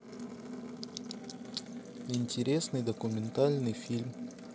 интересный документальный фильм